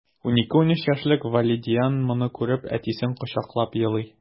12-13 яшьлек вәлидиан моны күреп, әтисен кочаклап елый...